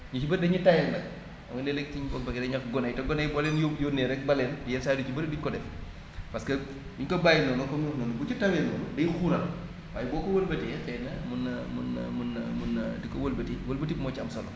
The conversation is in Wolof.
ñu si bëri dañuy tayal nag xam nga léeg-léeg suñ ko bëggee dañuy wax gone yi te gone yi boo leen yónnee rekk ba leen yenn saa yi lu ci bëri duñ ko def parce que niñ ko bàyyee noonu comme li ma wax noonu bu ci tawee noonu day xuural waaye boo ko wëlbatee xëy na mën naa mën na mën na mën na di ko wëlbati wëlbati bi moo ci am solo